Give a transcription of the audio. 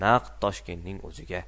naq toshkentning o'ziga